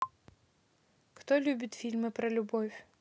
кто любит фильмы про любовь